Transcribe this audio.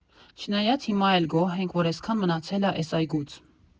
Չնայած հիմա էլ գոհ ենք, որ էսքան մնացել ա էս այգուց։